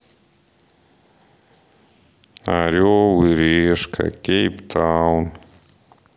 орел и решка кейптаун